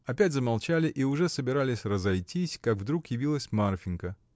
Опять замолчали и уже собирались разойтись, как вдруг явилась Марфинька.